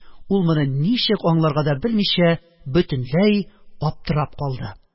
Ул моны ничек аңларга да белмичә, бөтенләй аптырап калды